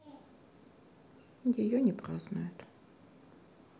ее не празднуют